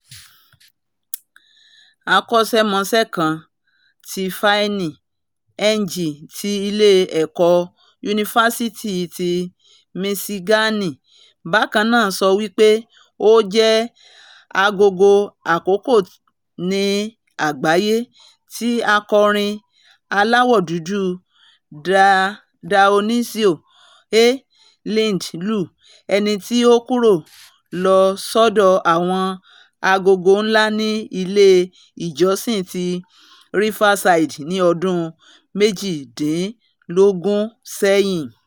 Akọ́ṣẹ́mọṣé kaǹ, Tiffany Ng ti ilé-ẹ̀kọ́ Yunifasiti ti Miṣigaani, bakanaa so wipé ó jẹ́ agogo àkọ́kọ́ ní àgbáyé tí akorin aláwò dudù, Dionisio A. Lind lu, ẹnití o kúrò̀ lọ̀ s'ọ́dọ̀ àwọn agogo ńlá ní ilé ìjọsìn ti Riverside ní odún méjìdínlógún sẹ́yìn.